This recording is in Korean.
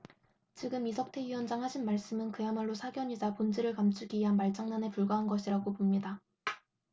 지금 이석태 위원장 하신 말씀은 그야말로 사견이자 본질을 감추기 위한 말장난에 불과한 것이라고 봅니다